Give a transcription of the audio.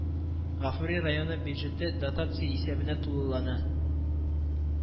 Гафури районы бюджеты дотация исәбенә тулылана